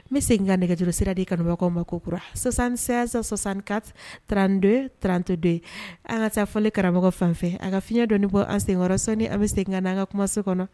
N bɛ se segin ka nɛgɛjsira de kanubagawkaw ma kokurasan-- sɔsan ka tranto tranto don an ka taa fɔ karamɔgɔ fan a ka fiɲɛ dɔɔni ko an senkɔrɔ sanu an bɛ sen ka an ka kumaso kɔnɔ